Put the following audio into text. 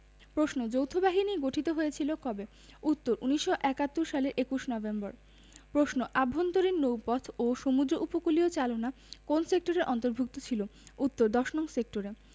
প্রশ্ন যৌথবাহিনী গঠিত হয়েছিল কবে উত্তর ১৯৭১ সালের ২১ নভেম্বর প্রশ্ন আভ্যন্তরীণ নৌপথ ও সমুদ্র উপকূলীয় চালনা কোন সেক্টরের অন্তভু র্ক্ত ছিল উত্তর ১০নং সেক্টরে